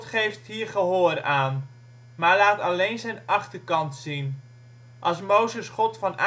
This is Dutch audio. geeft hier gehoor aan, maar laat alleen zijn achterkant zien. Als Mozes God van aangezicht